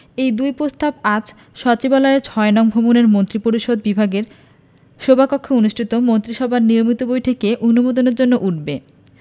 এ দুই প্রস্তাব আজ সচিবালয়ের ৬ নং ভবনের মন্ত্রিপরিষদ বিভাগের সভাকক্ষে অনুষ্ঠিত মন্ত্রিসভার নিয়মিত বৈঠকে অনুমোদনের জন্য উঠবে